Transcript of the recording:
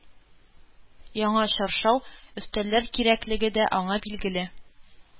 Яңа чаршау, өстәлләр кирәклеге дә аңа билгеле.